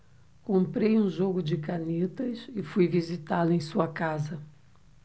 comprei um jogo de canetas e fui visitá-lo em sua casa